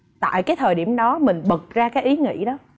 tại cái thời điểm đó mình bật ra cái ý nghĩ đó